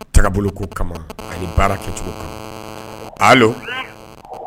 Taabolo ko kama ani baara kɛcogo kan